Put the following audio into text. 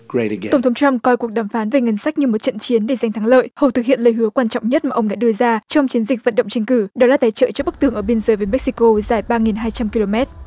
tổng thống trăm coi cuộc đàm phán về ngân sách như một trận chiến để giành thắng lợi khâu thực hiện lời hứa quan trọng nhất mà ông đã đưa ra trong chiến dịch vận động tranh cử đó là tài trợ cho bức tường ở biên giới mê xi cô dài ba nghìn hai trăm ki lô mét